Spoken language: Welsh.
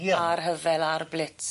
Ie. A'r rhyfel a'r blits.